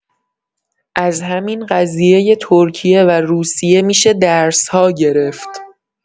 از همین قضیۀ ترکیه و روسیه می‌شه درس‌ها گرفت!